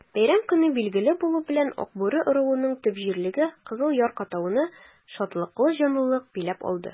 Бәйрәм көне билгеле булу белән, Акбүре ыруының төп җирлеге Кызыл Яр-катауны шатлыклы җанлылык биләп алды.